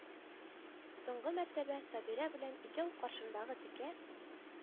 Соңгы мәртәбә Сабира белән икәү каршыдагы текә